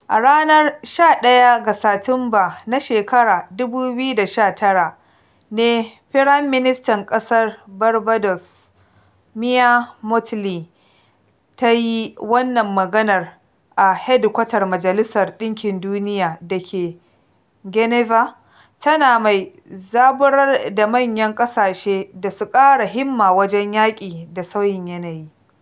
A ranar 11 ga Satumba na shekarar 2019 ne Firaministan ƙasar Barbados Mia Mottley ta yi wannan maganar a hedkwatar Majalisar ɗinkin Duniya da ke Geneva, tana mai zaburar da manyan ƙasashe da su ƙara himma wajen yaƙi da sauyin yanayi.